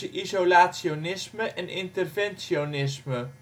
isolationisme en imperialisme